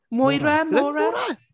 Moira? Maura?